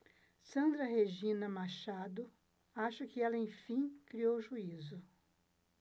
sandra regina machado acho que ela enfim criou juízo